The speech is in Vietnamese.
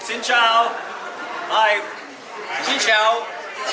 xin chào hai xin chào